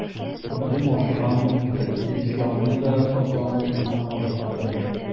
Үзем ашыгам, Фәтхелисламны да сакланып кына ашыктырам.